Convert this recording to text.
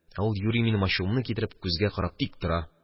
Ә ул, юри минем ачуымны китереп, күзгә карап тик тора.